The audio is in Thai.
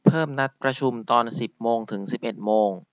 เพิ่มนัดประชุมตอนสิบโมงถึงสิบเอ็ดโมง